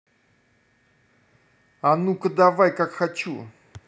а ну ка давай ка хочу